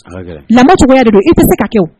A ka gɛlɛn lamɔ cogoya de don i te se k'a kɛ o